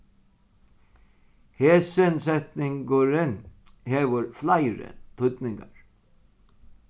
hesin setningurin hevur fleiri týdningar